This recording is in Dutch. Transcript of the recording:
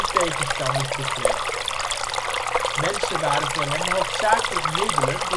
tegenstanders betreft. Mensen waren voor hem hoofdzakelijk middelen